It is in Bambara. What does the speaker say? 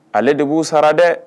Ale de b'u sara dɛ